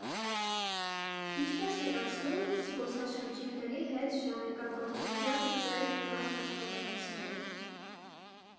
Ինչպե՞ս են անցնում զբոսաշրջիկների հետ ժանեկագործության ձեր դաս֊աշխատանոցները։